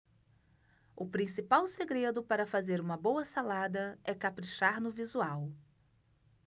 o principal segredo para fazer uma boa salada é caprichar no visual